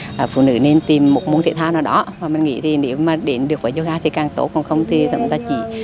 ờ phụ nữ nên tìm một môn thể thao nào đó mà mình nghĩ thì nếu mà đến được với dô ga thì càng tốt còn không thì chúng ta chỉ